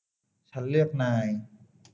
ฉันเลือกนาย